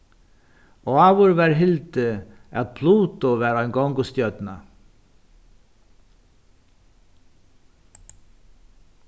áður varð hildið at pluto var ein gongustjørna